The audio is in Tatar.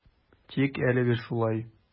Тик әлегә шулай.